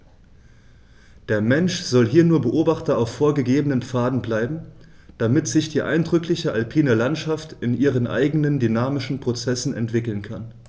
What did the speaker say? Der Mensch soll hier nur Beobachter auf vorgegebenen Pfaden bleiben, damit sich die eindrückliche alpine Landschaft in ihren eigenen dynamischen Prozessen entwickeln kann.